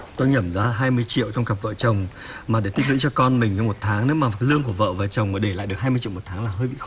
tôi nhẩm ra hai mươi triệu một cặp vợ chồng mà để tích lũy cho con mình trong một tháng nếu mà lương của vợ và chồng mà để được hai mươi triệu một tháng là hơi bị khó